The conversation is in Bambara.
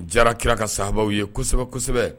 Jara kira ka sa sababuw ye kosɛbɛ kosɛbɛ